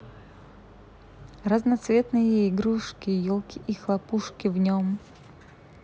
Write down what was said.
разноцветные игрушки елки и хлопушки в нем